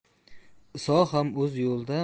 iso ham o'z yo'liga